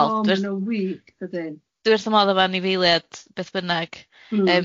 Wel dwi'n... Oh, maen nw'n wych dydyn?... dwi wrth fy modd efo anifeiliad beth bynnag.